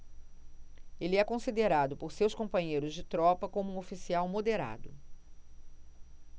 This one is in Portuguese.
ele é considerado por seus companheiros de tropa como um oficial moderado